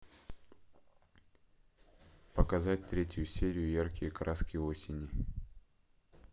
показать третью серию яркие краски осени